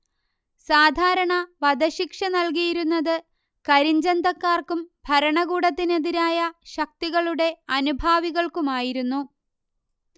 സാധാരണ വധശിക്ഷ നൽകിയിരുന്നത് കരിഞ്ചന്തക്കാർക്കും ഭരണകൂടത്തിനെതിരായ ശക്തികളുടെ അനുഭാവികൾക്കുമായിരുന്നു